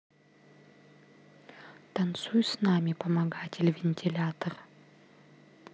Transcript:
танцуй с нами помогатель вентилятор